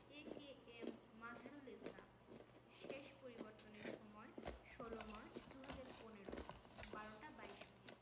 A K M Mazharul Islam শেষ পরিবর্তনের সময় ১৬ মার্চ ২০১৫ ১২টা ২২ মিনিট